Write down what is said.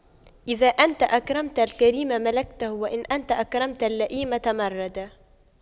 إذا أنت أكرمت الكريم ملكته وإن أنت أكرمت اللئيم تمردا